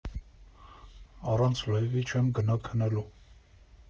Առանց լայվի չեմ գնա քնելու։